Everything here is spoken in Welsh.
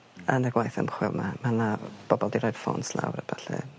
Hmm. Yn y gwaith ymchwil 'ma ma' 'na bobol 'di rhoi'd ffôns lawr a ballu.